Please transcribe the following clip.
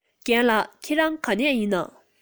རྒན ལགས ཁྱེད རང ག ནས ཡིན ན